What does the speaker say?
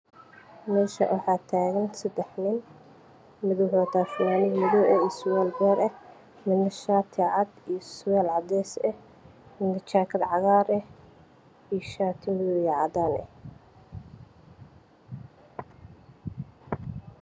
Me shan waxa tagan sidax nin mid wuxu wata fannad madow eh iyo sirwal bor eh mida shaati cad iyo sirwal cades eh midna jakad cagar eh iyo shati madow iyo cadan eh